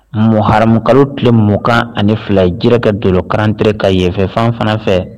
Mun ha tile mɔ kan ani fila jiri ka dɔkanrantere ka yefɛfan fana fɛ